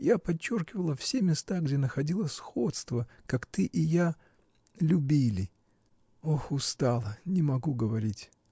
я подчеркивала все места, где находила сходство. как ты и я. любили. Ох, устала, не могу говорить.